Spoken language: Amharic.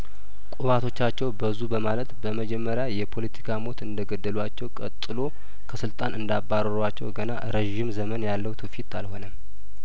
ቁባቶቻቸው በዙ በማለት በመጀመሪያ የፖለቲካ ሞት እንደገደሉአቸው ቀጥሎ ከስልጣን እንዳባረሯቸው ገና ረዥም ዘመን ያለው ትውፊት አልሆነም